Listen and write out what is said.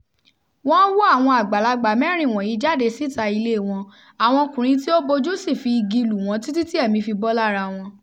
Wọ́n wọ́ àwọn àgbàlagbà mẹ́rin wọ̀nyí jáde síta ilée wọn, àwọn ọkùnrin tí ó bòjú sì fi igi lù wọ́n títí tí ẹ̀mí fi bọ́ lára wọn.